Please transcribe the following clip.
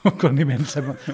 O, cawn ni'n mynd.